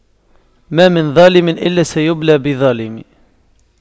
ما من ظالم إلا سيبلى بظالم